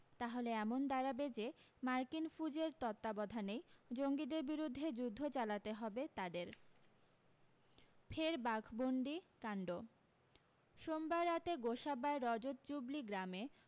তাহলে এমন দাঁড়াবে যে মার্কিন ফুজের তত্ত্বাবধানেই জঙ্গিদের বিরুদ্ধে যুদ্ধ চালাতে হবে তাদের ফের বাঘবন্দি কান্ড সোমবার রাতে গোসাবার রজতজুবলি গ্রামে